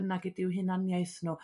bynnag ydy'w hunaniaeth nhw